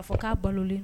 A fɔ k'a balolen